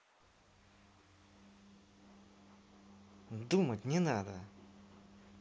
думать не надо